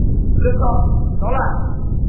lựa chọn đó là